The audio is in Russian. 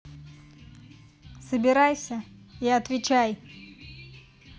собирайся и отвечай